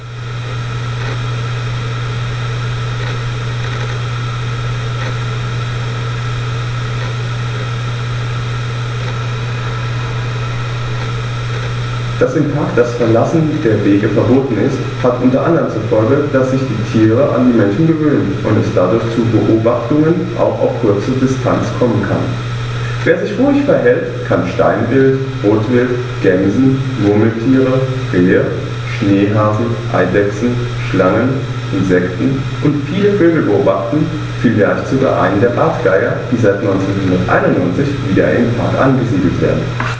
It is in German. Dass im Park das Verlassen der Wege verboten ist, hat unter anderem zur Folge, dass sich die Tiere an die Menschen gewöhnen und es dadurch zu Beobachtungen auch auf kurze Distanz kommen kann. Wer sich ruhig verhält, kann Steinwild, Rotwild, Gämsen, Murmeltiere, Rehe, Schneehasen, Eidechsen, Schlangen, Insekten und viele Vögel beobachten, vielleicht sogar einen der Bartgeier, die seit 1991 wieder im Park angesiedelt werden.